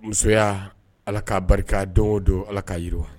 Musoya ala k'a barika don o don ala kaa yiriwa